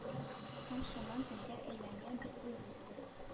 Һәм шуннан кемгә әйләнгән дип уйлыйсыз